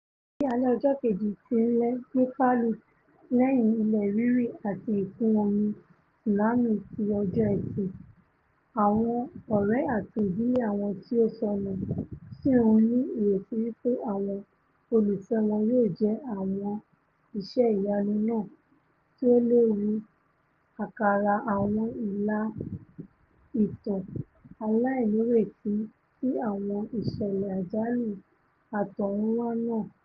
Bí alẹ́ ọjọ́ kejì ti ńlẹ́ ní Palu lẹ́yìn ilẹ̀ rírì àti ìkún-omi tsunami ti ọjọ́ Ẹtì, àwọn ọ̀rẹ́ àti ìdílé àwọn tí ó ṣọnù sì ńní ìrèti wí pé àwọn olùfẹ́ wọn yóò jẹ́ àwọn iṣẹ́ ìyanu náà tí ó leè wú àkàrà àwọn ìlà ìtàn aláìnírètí ti àwọn iṣ̵ẹ̀lẹ̀ àjálù àtọ̀runwá náà.